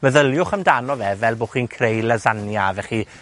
Meddyliwch amdano fe fel bo' chi'n creu lasagnea a 'da chi